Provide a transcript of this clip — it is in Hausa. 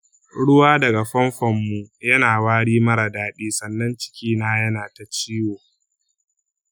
ruwa daga famfon mu yana wari mara daɗi sannan ciki na yana ta ciwo.